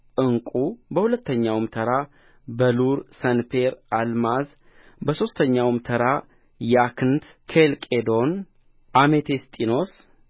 ዕንቍ በሁለተኛውም ተራ በሉር ሰንፔር አልማዝ በሦስተኛውም ተራ ያክንት ኬልቄዶን አሜቴስጢኖስ